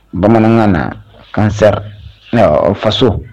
Bamanankan na kanan siran ɛ faso